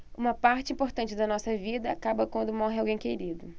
uma parte importante da nossa vida acaba quando morre alguém querido